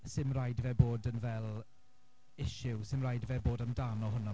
'Sdim rhaid i fe fod yn fel issue 'sdim rhaid i fe fod amdano hwnna.